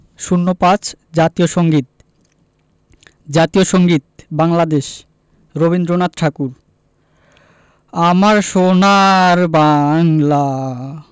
০৫ জাতীয় সংগীত জাতীয় সংগীত বাংলাদেশ রবীন্দ্রনাথ ঠাকুর আমার সোনার বাংলা